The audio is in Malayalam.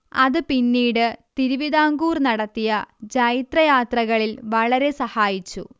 അത് പിന്നീട് തിരുവിതാംകൂർ നടത്തിയ ജൈത്രയാത്രകളിൽ വളരെ സഹായിച്ചു